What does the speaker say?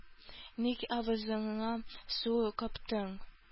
Ник авызыңа су каптың?